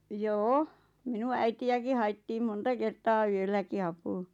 joo minun äitiäkin haettiin monta kertaa yölläkin apuun